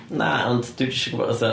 Na, ond dwi jyst isio gwbod fatha...